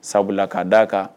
Sabula k'a d' aa kan